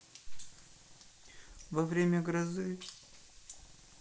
во время грозы